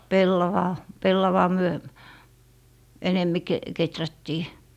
pellavaa pellavaa me enemmin - kehrättiin